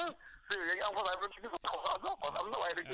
wala léeg-léeg nga ne Saliou Birame Faye mii dafa am xos